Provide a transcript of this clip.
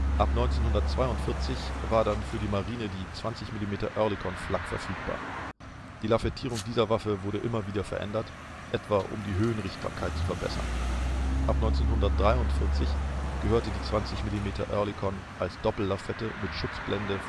Ab 1942 war dann für die Marine die 20 mm Oerlikon Flak verfügbar. Die Lafettierung der Waffe wurde immer wieder verändert, etwa um die Höhenrichtbarkeit zu verbessern. Ab 1943 war die 20 mm Oerlikon als Doppellafette mit Schutzblende